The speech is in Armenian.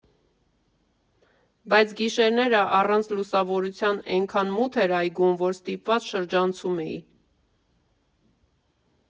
Բայց գիշերները առանց լուսավորության էնքան մութ էր այգում, որ ստիպված շրջանցում էի։